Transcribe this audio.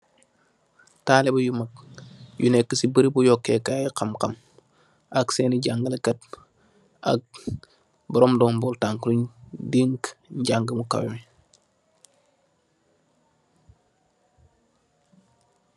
Talibeh yu mak, yu nekka ci barabi yukókai xamxam ak sééni jangaleh Kai, ak borom ndombó takka luñ dekka njanga mu kawèh mi.